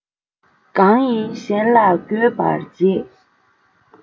གང ཡིན གཞན ལ འགོད པར བྱེད